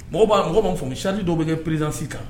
Mɔgɔ b'a mɔgɔ maa fɔ sali dɔw bɛ kɛ perezdsi kan